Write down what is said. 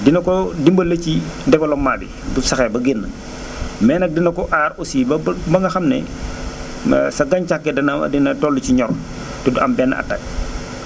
dina ko dimbale ci développement bi bu saxee ba génn mais nag dina ko aar aussi ba bu ba nga xam ne sa gàncax gi dina dina toll ci ñor te du am benn attaque